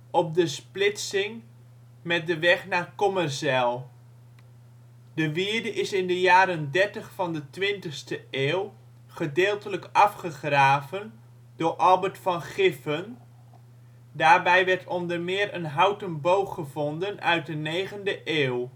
op de spiltsing met de weg naar Kommerzijl. De wierde is in de jaren dertig van de twintigste eeuw gedeeltelijk afgegraven door Albert van Giffen, daarbij werd onder meer een houten boog gevonden uit de negende eeuw